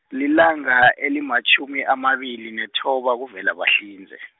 lilanga, elimatjhumi amabili, nethoba kuVelabahlinze.